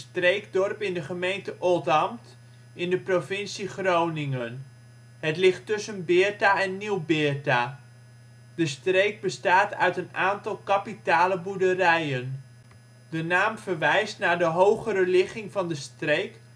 streekdorp in de gemeente Oldambt in de provincie Groningen. Het ligt tussen Beerta en Nieuw-Beerta. De streek bestaat uit een aantal kapitale boerderijen. De naam verwijst naar de hogere ligging van de streek